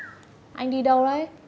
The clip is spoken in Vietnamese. anh đi đâu đấy